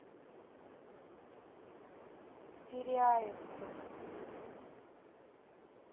теряется